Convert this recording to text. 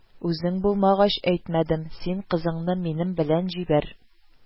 Үзең булмагач, әйтмәдем, син кызыңны минем белән җибәр